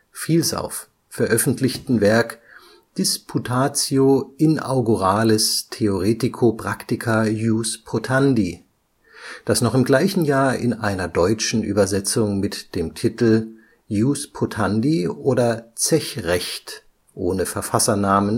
Vielsauf) veröffentlichten Werk Disputatio inauguralis theoretico-practica jus potandi…, das noch im gleichen Jahr in einer deutschen Übersetzung mit dem Titel Ius Potandi oder Zechrecht ohne Verfassernamen